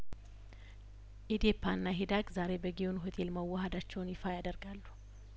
ኢዴፓና ሂዳግ ዛሬ በጊዮን ሆቴል መዋሀዳቸውን ይፋ ያደርጋሉ